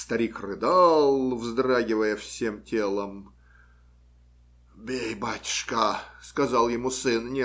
Старик рыдал, вздрагивая всем телом. - Бей, батюшка! - сказал ему сын.